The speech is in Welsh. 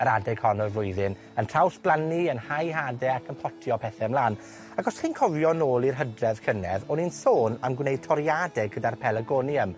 yr adeg hon o'r flwyddyn, yn trawsblannu yn hau hade, ac yn potio pethe mlan, ac os chi'n cofio nôl i'r Hydref llynedd, o'n i'n sôn am gwneud toriade gyda'r Pelygonium,